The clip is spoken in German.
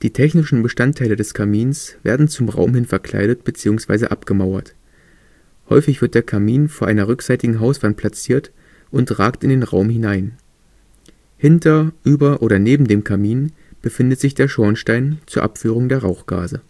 technischen Bestandteile des Kamins werden zum Raum hin verkleidet bzw. abgemauert. Häufig wird der Kamin vor einer rückseitigen Hauswand platziert und ragt in den Raum hinein. Hinter, über oder neben dem Kamin befindet sich der Schornstein zur Abführung der Rauchgase